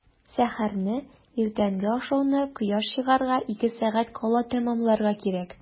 Сәхәрне – иртәнге ашауны кояш чыгарга ике сәгать кала тәмамларга кирәк.